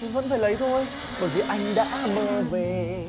thế vẫn phải lấy thôi bởi vì anh đã mơ về